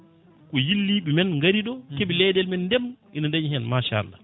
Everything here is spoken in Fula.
ko yilliɓe men gaariɗo keeɓi leyɗele ɗe men ne ndeema ina dañi hen machallah